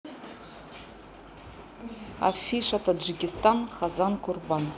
афиша таджикистан хазанов курбан